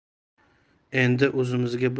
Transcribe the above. endi o'zimizga bir